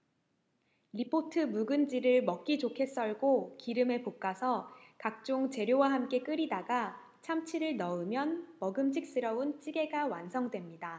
리포트 묵은지를 먹기 좋게 썰고 기름에 볶아서 각종 재료와 함께 끓이다가 참치를 넣으면 먹음직스러운 찌개가 완성됩니다